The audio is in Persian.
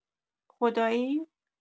خدایی؟